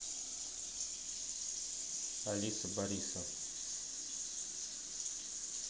алиса бориса